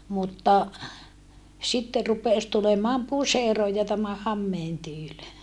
mutta sitten rupesi tulemaan puseron ja tämän hameen tyyli